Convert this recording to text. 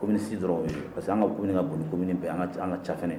Kɔmi bɛ si dɔrɔn parce que an ka bɛna ka boloko bɛ an ka an ka cafɛ